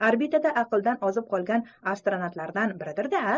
orbitada aqldan ozib qolgan astronavtlardan biridir da